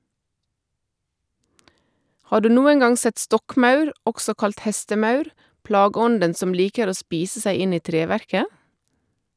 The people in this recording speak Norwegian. Har du noen gang sett stokkmaur, også kalt hestemaur, plageånden som liker å spise seg inn i treverket?